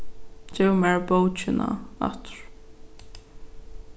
gev mær bókina aftur